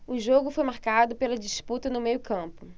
o jogo foi marcado pela disputa no meio campo